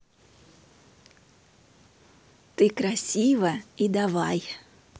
ты красива и давай